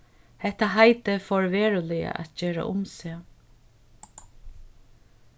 hetta heitið fór veruliga at gera um seg